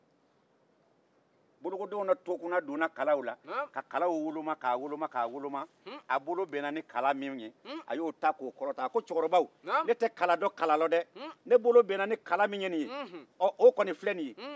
bolokodenw na tokunna donna kalaw k'a woloma a ko cɛkɔrɔbaw ne tɛ kala dɔn kalaw la n bolo bɛnna ni min ye o filɛ nin ye